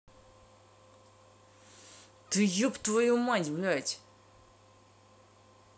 ты еб твою мать блядь